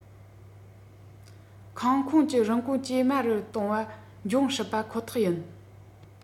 ཁང ཁོངས ཀྱི རིན ཐང ཇེ དམའ རུ གཏོང བ འབྱུང སྲིད པ ཁོ ཐག ཡིན